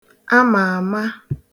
amà àma